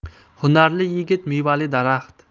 hunarli yigit mevali daraxt